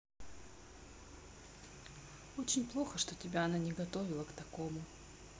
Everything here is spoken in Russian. очень плохо что тебя она не готовила к такому